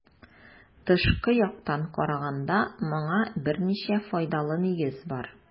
Тышкы яктан караганда моңа берничә файдалы нигез бар.